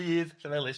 Llefelys